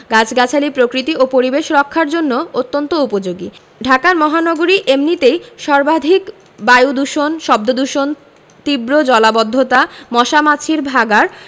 গাছগাছালি প্রকৃতি ও পরিবেশ রক্ষার জন্যও অত্যন্ত উপযোগী ঢাকা মহানগরী এমনিতেই সর্বাধিক বায়ুদূষণ শব্দদূষণ তীব্র জলাবদ্ধতা মশা মাছির ভাঁগাড়